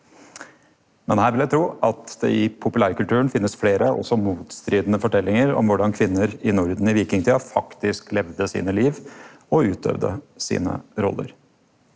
men her vil eg tru at det i populærkulturen finnast fleire også motstridande forteljingar om korleis kvinner i Norden i vikingtida faktisk levde sine liv og utøvde sine roller.